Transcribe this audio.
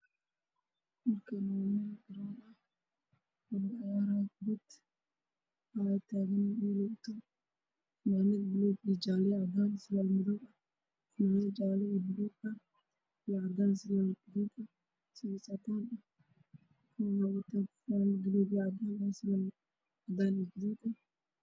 Meesan waa meel lagu dheelo banooni gacanta waxaa dheelaya laba koox kuwa dharbuluga iyo kuwa dhar caddaan ah